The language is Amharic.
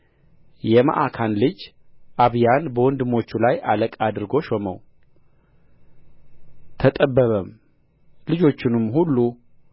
የመዓካን ልጅ አብያን በወንድሞቹ ላይ አለቃ አድርጎ ሾመው ተጠበበም ልጆቹንም ሁሉ